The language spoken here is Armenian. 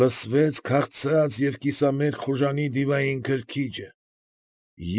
Լսվեց քաղցած և կիսամերկ խուժանի դիվային քրքիջը։